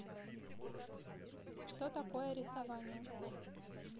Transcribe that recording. что такое рисование